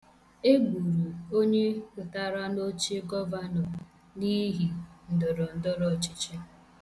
E gburu onye pụtara n'oche gọvanọ n'ihi ndọrọndọrọọchịchị.